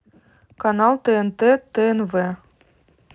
канал тнт тнв